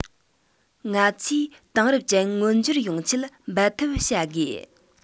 ང ཚོས དེང རབས ཅན མངོན འགྱུར ཡོང ཆེད འབད འཐབ བྱ དགོས